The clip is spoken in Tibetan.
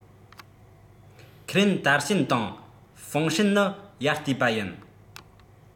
ཁས ལེན དར ཤན དང ཧྥང ཧྲན ནི ཡར བལྟས པ ཡིན